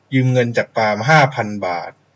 ยืมเงินจากปาล์มห้าพันบาท